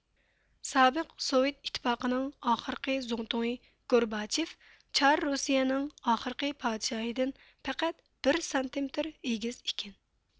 سابىق سوۋېت ئىتتىپاقىنىڭ ئاخىرقى زۇڭتۇڭى گورباچېف چار رۇسىيىنىڭ ئاخىرقى پادىشاھىدىن پەقەت بىر سانتىمېتىر ئېگىز ئىكەن